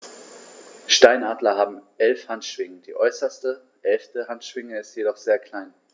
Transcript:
Steinadler haben 11 Handschwingen, die äußerste (11.) Handschwinge ist jedoch sehr klein.